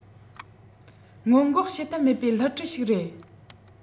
སྔོན འགོག བྱེད ཐབས མེད པའི བསླུ བྲིད ཞིག རེད